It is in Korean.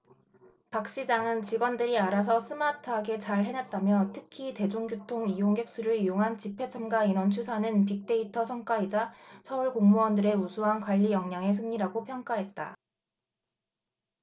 박 시장은 직원들이 알아서 스마트하게 잘 해냈다며 특히 대중교통 이용객 수를 이용한 집회 참가 인원 추산은 빅데이터 성과이자 서울 공무원들의 우수한 관리역량의 승리라고 평가했다